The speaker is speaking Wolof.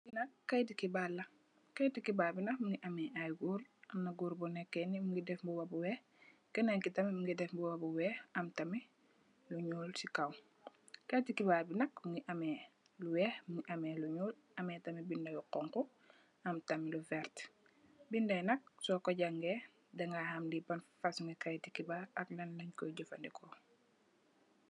Li nak kayiti xibarr la, kayiti xibarr bi nak mugii ameh ay gór, am na gór bu nekee ni mugii dèf mbuba bu wèèx, kenen ki tam mugii dèf mbuba bu wèèx am tamit lu ñuul ci kaw. Kayiti xibarr bi nak mugii ameh lu wèèx mugii ameh lu ñuul, ameh tamit bindé yu xonxu am tamit lu werta. Bindé yi nak so ko jangèè di ga xam li ban fasung kayiti xibarr ak lan lañ koy jafandiko.